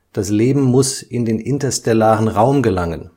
Das Leben muss in den interstellaren Raum gelangen